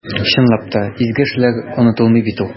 Чынлап та, изге эшләр онытылмый бит ул.